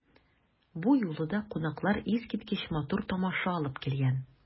Бу юлы да кунаклар искиткеч матур тамаша алып килгән.